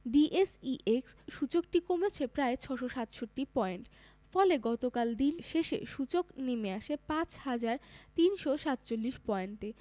DSEX সূচকটি কমেছে প্রায় ৪৬৭ পয়েন্ট ফলে গতকাল দিন শেষে সূচক নেমে আসে ৫ হাজার ৩৪৭ পয়েন্টে